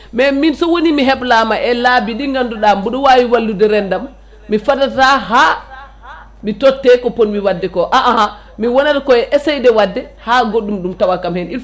mais min sowoni mi heblama e laabi ɗi ganduɗa mboɗo wawi wallude rendam mi fadata ha totte ko ponmi wadde ko aahan mi wonata koye essaye de wadde ha goɗɗum ɗum tawakam hen il